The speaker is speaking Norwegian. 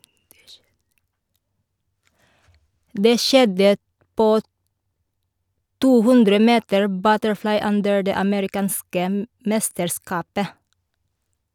Det skjedde på 200 meter butterfly under det amerikanske mesterskapet.